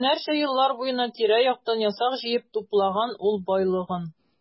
Меңнәрчә еллар буена тирә-яктан ясак җыеп туплаган ул байлыгын.